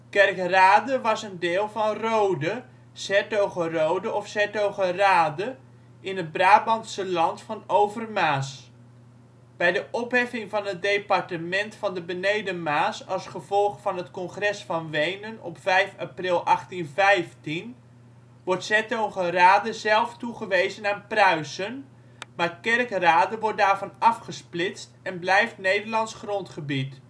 Kerkrade was een deel van Rode (' s-Hertogenrode of ' s-Hertogenrade) in het Brabantse land van Overmaas. Bij de opheffing van het departement van de Beneden-Maas als gevolg van het Congres van Wenen op 5 april 1815 wordt ' s-Hertogenrade zelf toegewezen aan Pruisen, maar Kerkrade wordt daarvan afgesplitst en blijft Nederlands grondgebied